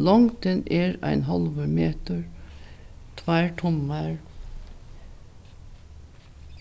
longdin er ein hálvur metur tveir tummar